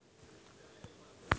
новые серии смешариков